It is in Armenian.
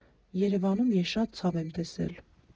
Երևանում ես շատ ցավ եմ տեսել։